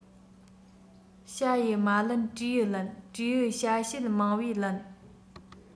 བྱ ཡི མ ལན སྤྲེའུས ལན སྤྲེའུ བྱ བྱེད མང བས ལན